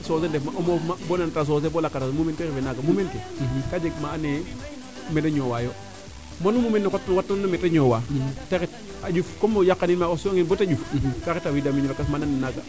socé ndef ma o moof ma bo nanata socé bo lakatan mumeen koy refe naaga mumeen ke ka jeg maa ando naye mene ñoowa yo te ñoowa te ref a ƴuf comme o yaqa nin o sut wanga bata ƴuf te ret a wida o mbiño lakas